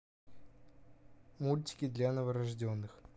мультики для новорожденных